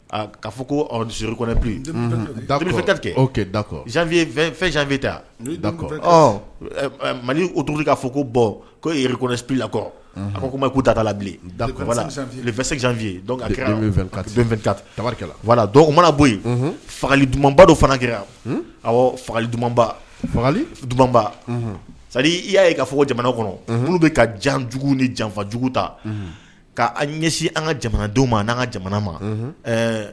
Ka fɔ kouruɛ biyi da fɛnke dakɔ fɛnfɛ ta dakɔ mali o k'a fɔ ko bɔn koɛlakɔ a ko ma k'u tata lasefi tari mana bɔ yen fagali dumanbadɔ fana kɛra a fagali dumanbali dumanba sa i y'a ye kaa fɔ ko jamana kɔnɔ olu bɛ ka janjugu ni janfajugu ta k'an ɲɛsin an ka jamanadenw ma n'an ka jamana ma